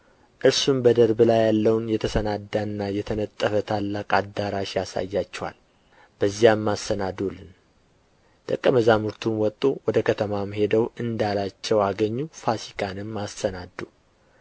እርሱም በደርብ ላይ ያለውን የተሰናዳና የተነጠፈ ታላቅ አዳራሽ ያሳያችኋል በዚያም አሰናዱልን ደቀ መዛሙርቱም ወጡ ወደ ከተማም ሄደው እንዳላቸው አገኙ ፋሲካንም አሰናዱ